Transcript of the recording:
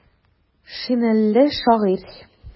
Шинельле шагыйрь.